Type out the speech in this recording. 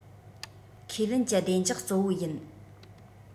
ཁས ལེན ཀྱི བདེ འཇགས གཙོ བོ ཡིན